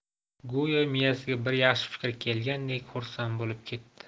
go'yo miyasiga bir yaxshi fikr kelgandek xursand bo'lib ketdi